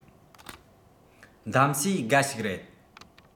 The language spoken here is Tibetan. གདམས གསེས དགའ ཞིག རེད